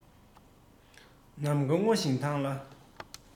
ནམ མཁའ སྔོ ཞིང དྭངས ལ